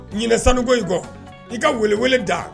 Ɲ sanuko i kɔ i ka weleele da